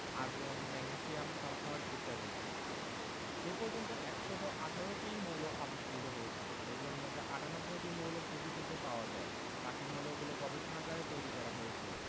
argon magnesium sulphur ইত্যাদি এ পর্যন্ত ১১৮টি মৌল আবিষ্কৃত হয়েছে এগুলোর মধ্যে ৯৮টি মৌল প্রকৃতিতে পাওয়া যায় বাকি মৌলগুলো গবেষণাগারে তৈরি করা হয়েছে